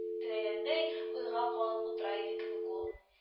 Теләгәндәй уйга калып утыра иде кебек ул